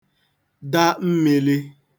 da mmīlī